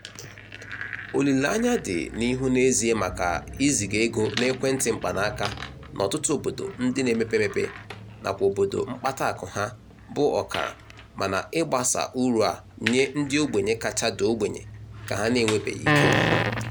Olileanya dị n'ihu n'ezie maka iziga ego n'ekwentị mkpanaaka n'ọtụtụ obodo ndị na-emepe emepe nakwa obodo mkpataakụ ha bụ ọkara mana ịgbasa ụrụ a nye ndị ogbenye kacha daa ogbenye ka ha na-enwebeghị ike ya.